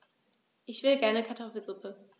Ich will gerne Kartoffelsuppe.